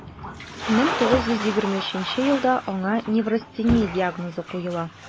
1923 елда аңа неврастения диагнозы куела: